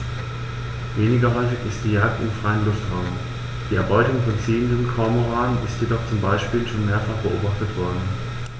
Weniger häufig ist die Jagd im freien Luftraum; die Erbeutung von ziehenden Kormoranen ist jedoch zum Beispiel schon mehrfach beobachtet worden.